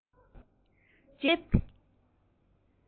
འཇིག རྟེན འདིའི ཐོག སླེབས